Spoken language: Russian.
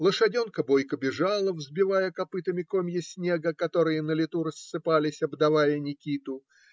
Лошаденка бойко бежала, взбивая копытами комья снега, которые на лету рассыпались, обдавая Никиту.